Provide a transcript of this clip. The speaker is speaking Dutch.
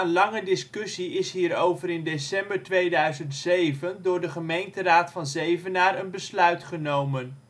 lange discussie is hierover in december 2007 door de gemeenteraad van Zevenaar een besluit genomen